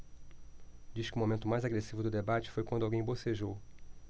diz que o momento mais agressivo do debate foi quando alguém bocejou